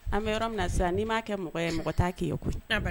An bɛ yɔrɔ minna sisan ni m'a kɛ mɔgɔ ye mɔgɔ taa ke ye koyi